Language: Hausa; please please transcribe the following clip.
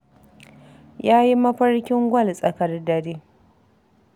Ya yi mafarkin gwal tsakar dare.